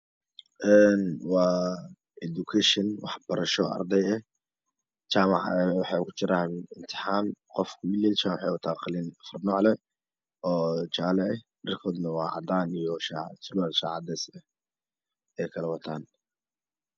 Wa goob waxbarasho ah waxay ku jiraan imtixaan waxey wataan qalin afar nuucle dharkooduna waa cadaan iyo surwaal cadees ah eykla wataan